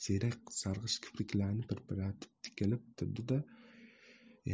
siyrak sarg'ish kipriklarini pirpiratib tikilib turdi da